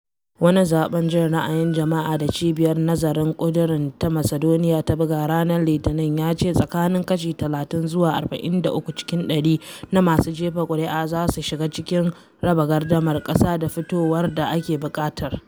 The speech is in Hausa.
Wani zaɓen jin ra’ayin jama’a da Cibiyar Nazarin Ƙuduri ta Macedonia ta buga ranar Litinin ya ce tsakanin kashi 30 zuwa 43 cikin ɗari na masu jefa kuri’a za su shiga cikin raba gardamar - kasa da fitowar da ake buƙatar.